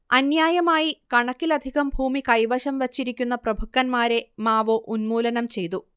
അന്യായമായി കണക്കിലധികം ഭൂമി കൈവശം വെച്ചിരിക്കുന്ന പ്രഭുക്കന്മാരെ മാവോ ഉന്മൂലനം ചെയ്തു